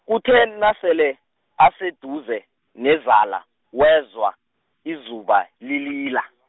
kuthe nasele, aseduze, nezala, wezwa, izuba lilila .